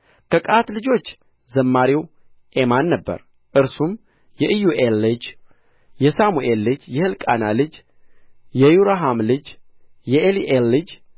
ከቀዓት ልጆች ዘማሪው ኤማን ነበረ እርሱም የኢዮኤል ልጅ የሳሙኤል ልጅ የሕልቃና ልጅ የይሮሐም ልጅ የኤሊኤል ልጅ